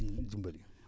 dimbali